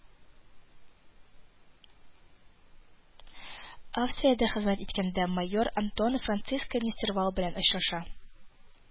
Австриядә хезмәт иткәндә майор Антонов Франциска Нестервал белән очраша